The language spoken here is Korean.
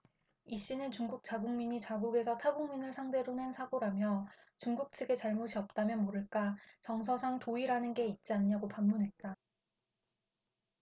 이씨는 중국 자국민이 자국에서 타국민을 상대로 낸 사고라며 중국 측의 잘못이 없다면 모를까 정서상 도의라는 게 있지 않냐고 반문했다